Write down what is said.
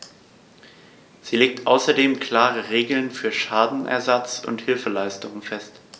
Sie legt außerdem klare Regeln für Schadenersatz und Hilfeleistung fest.